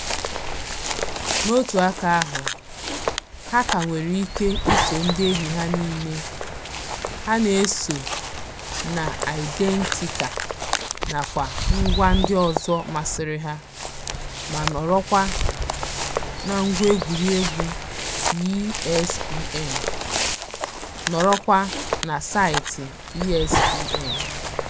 N'otu aka ahụ, ha ka nwere ike iso ndị enyi ha niile ha na-eso na Identi.ca nakwa ngwa ndị ọzọ masịrị ha, ma nọrọ kwa na ngwa egwuregwu ESPN, nọrọ kwa na saịtị ESPN.